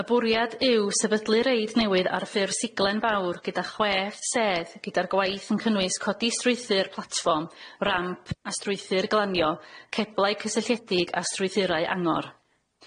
Y bwriad yw sefydlu reid newydd ar ffurf Siglen Fawr gyda chwe sedd gyda'r gwaith yn cynnwys codi strwythur platfform ramp a strwythur glanio ceblau cysylltiedig a strwythurau angor.